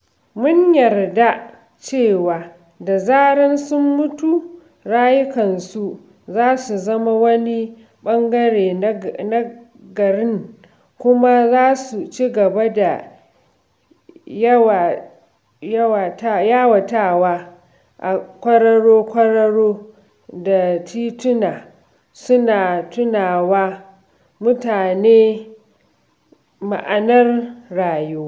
Mun yarda cewa da zarar sun mutu, rayukansu za su zama wani ɓangare na garin kuma za su cigaba da yawatawa a kwararo-kwararo da tituna, suna tunawa mutane ma'anar rayuwa.